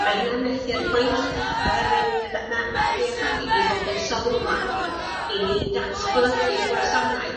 mae hynna'n methu'r pwynt oherwydd yy b- ma' ma Bee Eff I i fod yn sylfaen i ni datblygu gwasanaeth